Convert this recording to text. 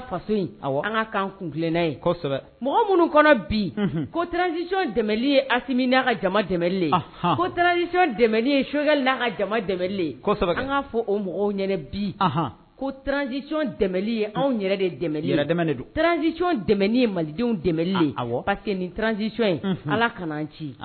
ka faso an ka kan kunna in mɔgɔ minnu kɔnɔ bi ko tranz dɛmɛye amin an kalen ko tzc dɛ ye sokɛ ga dɛlen an fɔ o mɔgɔw ɲ bi ko tranzcɔn dɛmɛ ye anw yɛrɛ de de tranzsicɔn dɛmɛen ye malidenw dɛmɛ pa que nin tranzc in ala ka anan ci